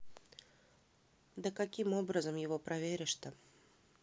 да каким образом его проверишь то